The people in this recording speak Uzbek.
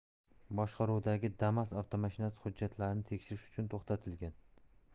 boshqaruvidagi damas avtomashinasi hujjatlarini tekshirish uchun to'xtatilgan